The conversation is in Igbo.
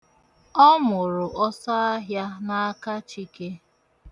Ọ mụrụ ọsọahịa n'aka Chike.